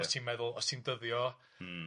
Os ti'n meddwl, os ti'n dyddio... M-m.